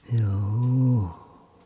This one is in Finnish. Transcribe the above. joo